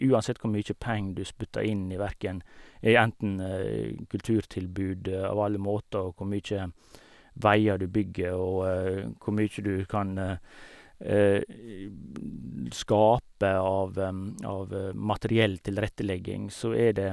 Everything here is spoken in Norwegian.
Uansett hvor mye penger du spytter inn i hverken i enten kulturtilbud av alle måter, og hvor mye veier du bygger, og hvor mye du kan skape av av materiell tilrettelegging, så er det...